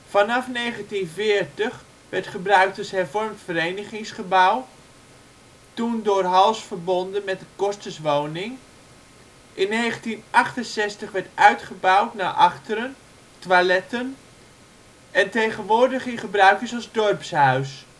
vanaf 1940 werd gebruikt als hervormd verenigingsgebouw (toen door hals verbonden met kosterswoning), in 1968 werd uitgebouwd naar achteren (toiletten) en tegenwoordig in gebruik is als dorpshuis